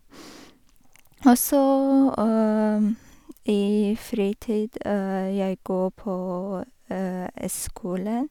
Og så i fritid jeg gå på skolen.